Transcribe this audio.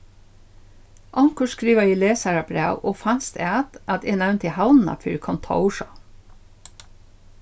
onkur skrivaði lesarabræv og fanst at at eg nevndi havnina fyri kontórshavn